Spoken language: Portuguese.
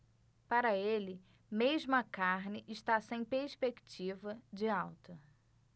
para ele mesmo a carne está sem perspectiva de alta